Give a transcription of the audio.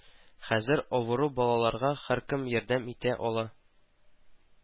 Хәзер авыру балаларга һәркем ярдәм итә ала